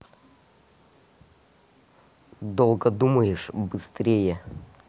долго думаешь быстрее